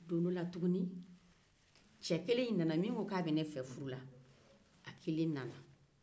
don do la tuguni min ko k'a bɛ ne fɛ furu la a kelen nana